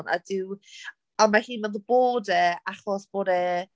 A dyw... A mae hi'n meddwl bod e achos bod e...